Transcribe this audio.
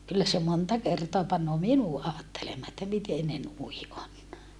kyllä se monta kertaa panee minut ajattelemaan että miten ne noin on